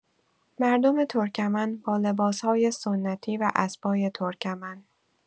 مردم ترکمن با لباس‌های سنتی و اسبای ترکمن.